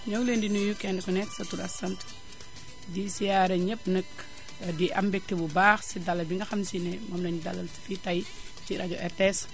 ñoo ngi leen di nuyu kenn ku nekk sa tur ak sa sant di siyaare ñépp nag di am mbégte bu baax si dalal bi nga xam ne si moom la ñu dalal fii tay ci rajo RTS